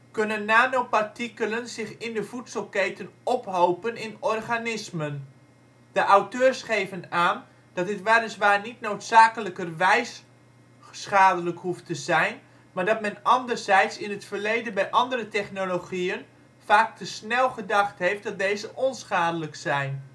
kunnen nanopartikelen zich in de voedselketen ophopen in organismen. De auteurs geven aan, dat dit weliswaar niet noodzakelijkerwijs schadelijk hoeft te zijn, maar dat men anderzijds in het verleden bij andere technologieën vaak te snel gedacht heeft dat deze onschadelijk zijn